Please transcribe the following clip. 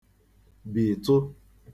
bìtụ